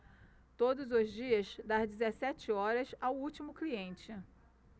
todos os dias das dezessete horas ao último cliente